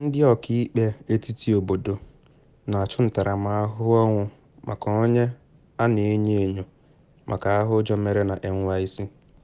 Ndị ọkaikpe etiti obodo na achụ ntaramahụhụ ọnwụ maka onye a na enyo enyo maka agha ụjọ mere na NYC